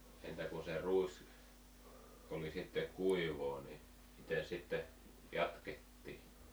entä kun se ruis oli sitten kuivaa niin miten sitten jatkettiin